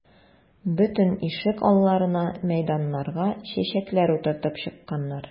Бөтен ишек алларына, мәйданнарга чәчәкләр утыртып чыкканнар.